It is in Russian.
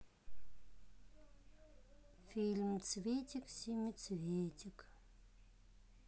фильм цветик семицветик